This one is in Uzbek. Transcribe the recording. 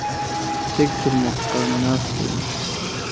tek turmoqqa nafs qo'ymas